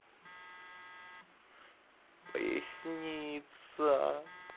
поясница